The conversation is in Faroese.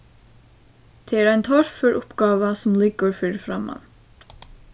tað er ein torfør uppgáva sum liggur fyri framman